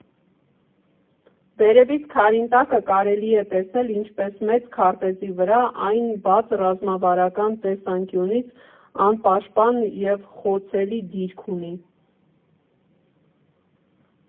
Վերևից Քարինտակը կարելի է տեսնել ինչպես մեծ քարտեզի վրա, այն բաց, ռազմավարական տեսանկյունից անպաշտպան և խոցելի դիրք ունի։